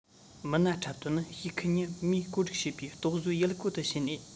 མི སྣ འཁྲབ སྟོན ནི ཞུགས མཁན ཉིད མིས བཀོད སྒྲིག བྱས པའི རྟོག བཟོའི ཡུལ བཀོད དུ ཕྱིན ནས